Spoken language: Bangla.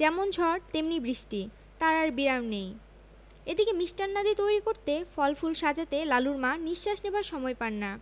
যেমন ঝড় তেমনি বৃষ্টি তার আর বিরাম নেই এদিকে মিষ্টান্নাদি তৈরি করতে ফল ফুল সাজাতে লালুর মা নিঃশ্বাস নেবার সময় পান না